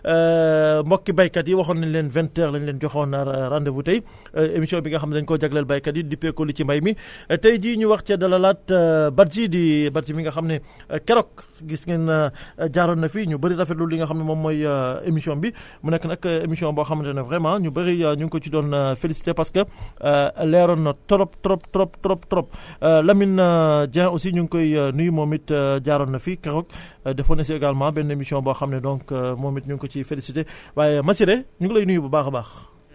mbokki béykat yi waxoon nañ leen vingt heures la ñu leen joxoon rendez vous tey émission bi nga xam ne dañ koo jagleel béykat yi dippee ko li ci mbéy mi tey jii ñuy war cee dalalaat Badji di Badji mi nga xam ne keroog gis ngeen jaaroon na fi ñu bëri rafetlu li nga xam ne moom mooy émission am bi mu nekk nag émission boo xamante ne vraiment ñu bëri ñu ngi ko ci doon félicité parce que leeroon na trop trop trop trop trop Lamine Dieng aussi ñu ngi koy nuyu moom it jaaroon na fi keroog defoon na si également benn émission boo xam ne donc moom it ñu ngi ko ciy félicité waaye Massiré ñu ngi lay nuyu bu baax a baax